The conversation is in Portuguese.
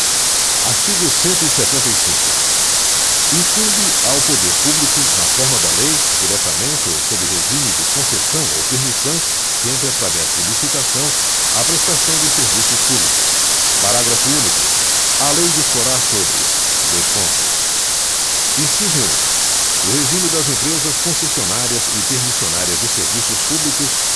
artigo cento e setenta e cinco incumbe ao poder público na forma da lei diretamente ou sob regime de concessão ou permissão sempre através de licitação a prestação de serviços públicos parágrafo único a lei disporá sobre dois pontos inciso um o regime das empresas concessionárias e permissionárias de serviços públicos